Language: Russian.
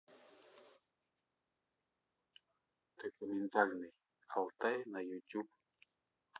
документальный алтай на ютуб